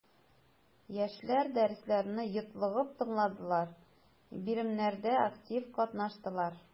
Яшьләр дәресләрне йотлыгып тыңладылар, биремнәрдә актив катнаштылар.